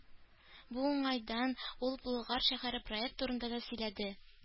Бу уңайдан ул Болгар шәһәрен проект турында да сөйләде.